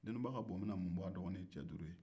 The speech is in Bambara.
deniba ka buwɔ bɛ na mun f'a dɔgɔnin cɛ duuru ye